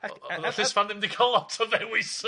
O- o'dd y llysfam ddim 'di ca'l lot o ddewis.